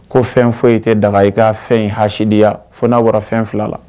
Ko fɛn foyi i tɛ daga i ka fɛn in hadiya fo n'a bɔra fɛn fila la